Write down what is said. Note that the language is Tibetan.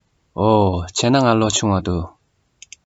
འོ བྱས ན ང ལོ ཆུང བ འདུག